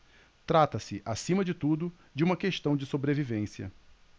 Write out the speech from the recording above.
trata-se acima de tudo de uma questão de sobrevivência